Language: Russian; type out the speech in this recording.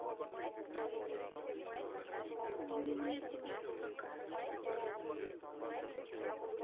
нет нет пока